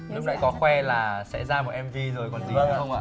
lúc nãy có khoe là sẽ ra một em vi rồi còn gì nữa không ạ